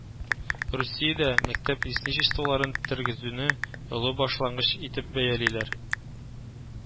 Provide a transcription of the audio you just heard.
Русиядә мәктәп лесничестволарын тергезүне олы башлангыч итеп бәялиләр